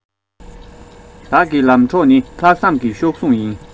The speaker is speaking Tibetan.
བདག གི ལམ གྲོགས ནི ལྷག བསམ གྱི གཤོག ཟུང ཡིན